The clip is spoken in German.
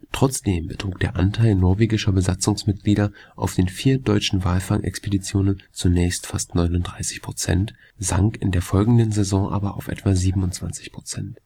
Trotzdem betrug der Anteil norwegischer Besatzungsmitglieder auf den vier deutschen Walfangexpeditionen zunächst fast 39 %, sank in der folgenden Saison aber auf etwa 27 %